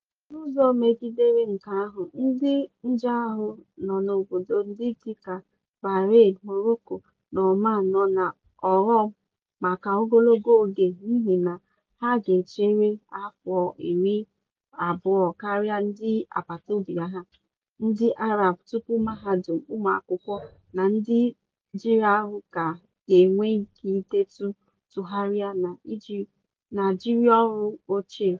N'ụzọ megidere nke ahụ, ndị njiarụ nọ n'obodo ndị dị ka Bahrain, Morocco, na Oman nọ na ọghọm maka ogologo oge n'ihi na ha ga-echere afọ 20 karịa ndị agbataobi ha ndị Arab tụpụ mahadum, ụmụakwụkwọ, na ndị njiarụ ga-enwe ikike idetu, tụgharịa, na jiri ọrụ ochie.